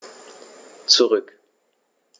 Zurück.